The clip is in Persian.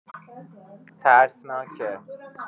ترسناکه